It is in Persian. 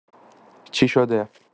چی شده